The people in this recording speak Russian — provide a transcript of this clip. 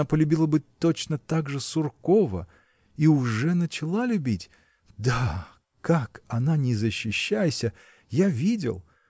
она полюбила бы точно так же Суркова и уже начала любить да! как она ни защищайся – я видел!